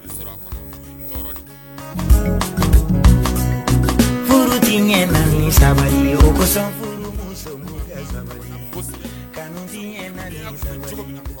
Furutigi saba o kosɔn furumuso ka